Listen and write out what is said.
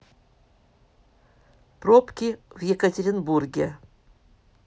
пробки в екатеринбурге